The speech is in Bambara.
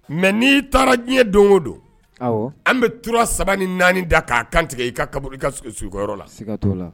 Mais n'ii taara diɲɛ doŋo don awɔɔ an bɛ tura 3 ni 4 da k'a kantigɛ i ka kaburu i ka s sukoyɔrɔ la sigat'o la